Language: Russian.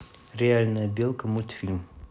реальная белка мультфильм